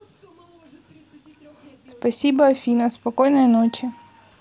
спасибо афина спокойной ночи